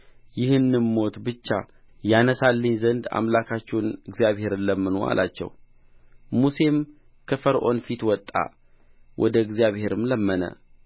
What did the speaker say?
ይህንም ሞት ብቻ ከእኔ ያነሣልኝ ዘንድ አምላካችሁን እግዚአብሔርን ለምኑ አላቸው ሙሴም ከፈርዖን ፊት ወጣ ወደ እግዚአብሔርም ለመነ